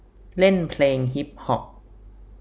เล่นเพลงฮิปฮอป